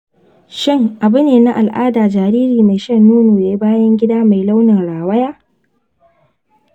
shin abu ne na al'ada jariri mai shan nono ya yi bayan gida mai launin rawaya?